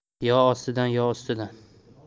yo ostidan yo ustidan